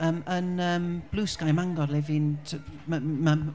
Yym yn, yym Blue Sky ym Mangor ie fi'n, t- m- m- mae...